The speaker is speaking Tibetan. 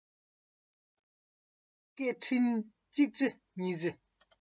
སྐད འཕྲིན གཅིག རྩེ གཉིས རྩེ